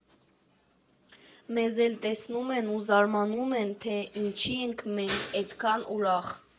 ՄԵզ էլ տեսնում են ու զարմանում են, թե ինչի ենք մենք էդքան ուրախ։